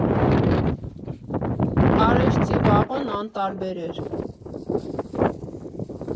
Արեշցի Վաղոն անտարբեր էր.